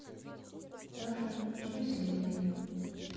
саша счастливый